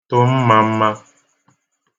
tụ mmām̄mā